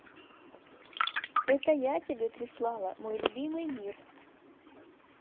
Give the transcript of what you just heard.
это я тебе прислала мой любимый мир